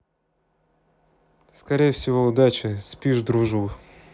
скорее всего удача спишь дружу